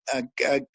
ag ag